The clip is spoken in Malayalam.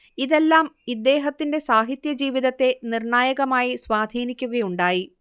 ഇതെല്ലാം ഇദ്ദേഹത്തിന്റെ സാഹിത്യജീവിതത്തെ നിർണായകമായി സ്വാധീനിക്കുകയുണ്ടായി